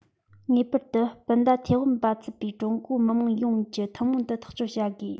ངེས པར དུ སྤུན ཟླ ཐའེ ཝན པ ཚུད པའི ཀྲུང གོའི མི དམངས ཡོངས ཀྱིས ཐུན མོང དུ ཐག གཅོད བྱ དགོས